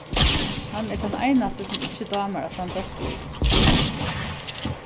hann er tann einasti sum ikki dámar at standa á skíð